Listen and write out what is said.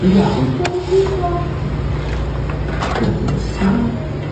Ia ond... 'Di o'm yn gweithio. Ia ocê ta!